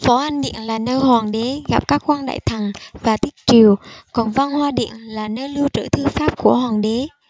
võ anh điện là nơi hoàng đế gặp các quan đại thần và thiết triều còn văn hoa điện là nơi lưu trữ thư pháp của hoàng đế